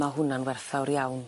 Ma' hwnna'n werthfawr iawn.